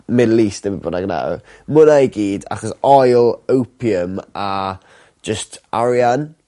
Middle East ne' be' bynnag nawr ma' wnna i gyd achos oil opium a just arian.